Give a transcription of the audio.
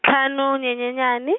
ntlhanu Nyenyenyani.